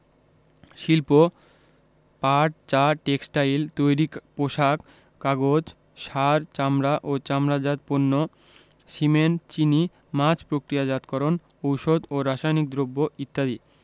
শিল্পঃ পাট চা টেক্সটাইল তৈরি পোশাক কাগজ সার চামড়া ও চামড়াজাত পণ্য সিমেন্ট চিনি মাছ প্রক্রিয়াজাতকরণ ঔষধ ও রাসায়নিক দ্রব্য ইত্যাদি